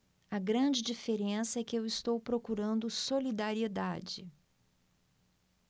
a grande diferença é que eu estou procurando solidariedade